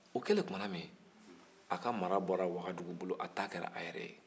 o kɛlen tuma min a ka mara bɔra wagaduu bolo a ta kɛr'a yɛrɛ ye